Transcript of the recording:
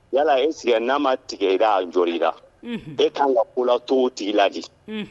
Yala est-ce que n'a ma tigɛ i ra, a jɔnna i la, unhun, e kan ka ko la t'o tigi la de, unhun.